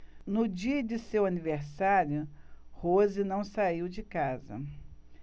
no dia de seu aniversário rose não saiu de casa